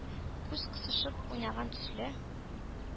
Күз кысышып уйнаган төсле,